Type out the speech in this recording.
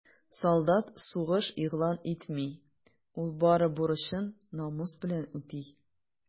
Солдат сугыш игълан итми, ул бары бурычын намус белән үти.